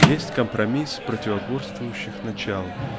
есть компромисс противоборствующих начал